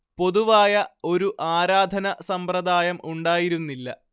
പൊതുവായ ഒരു ആരാധനാ സമ്പ്രദായം ഉണ്ടായിരുന്നില്ല